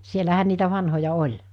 siellähän niitä vanhoja oli